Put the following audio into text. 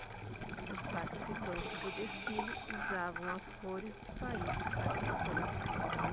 os participantes do desfile usavam as cores dos países participantes